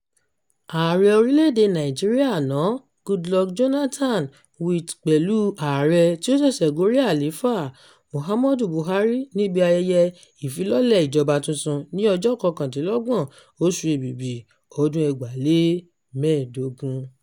Ààrẹ orílẹ̀-èdè Nàìjíríà àná Goodluck Jonathan with pẹ̀lú Ààrẹ tí ó ṣẹ̀ṣẹ̀ gorí àlééfà Muhammadu Buhari níbi ayẹyẹ ìfilọ́lẹ̀ ìjọba tuntun ní ọjọ́ 29, oṣù Èbìbì, ọdún 2015.